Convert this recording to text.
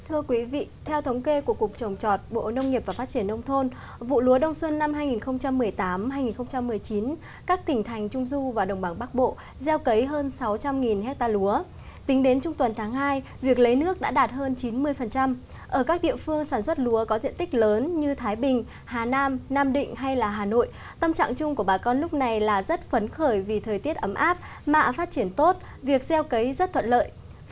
thưa quý vị theo thống kê của cục trồng trọt bộ nông nghiệp và phát triển nông thôn vụ lúa đông xuân năm hai nghìn không trăm mười tám hai nghìn không trăm mười chín các tỉnh thành trung du và đồng bằng bắc bộ gieo cấy hơn sáu trăm nghìn héc ta lúa tính đến trung tuần tháng hai việc lấy nước đã đạt hơn chín mươi phần trăm ở các địa phương sản xuất lúa có diện tích lớn như thái bình hà nam nam định hay là hà nội tâm trạng chung của bà con lúc này là rất phấn khởi vì thời tiết ấm áp mạ phát triển tốt việc gieo cấy rất thuận lợi